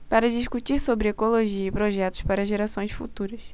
para discutir sobre ecologia e projetos para gerações futuras